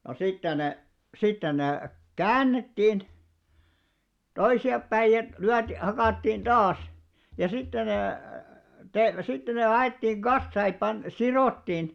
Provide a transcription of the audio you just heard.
no sitten ne sitten ne käännettiin toisinpäin ja - hakattiin taas ja sitten ne - sitten ne laitettiin kasaan ei - sidottiin